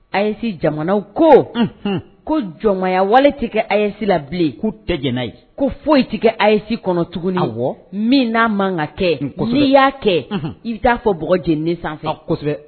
AES jamanaw ko unhun ko jɔmaya wale te kɛ AES la bilen k'u te diɲɛ n'a ye ko foyi te kɛ AES kɔnɔ tuguni awɔ min n'a maa ŋa kɛ un kosɛbɛ n'i y'a kɛ unhun i be taa fɔ bɔgɔjeninen sanfɛ a kosɛbɛ